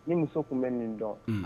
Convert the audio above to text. Ni muso tun bɛ nin dɔn; Unhun,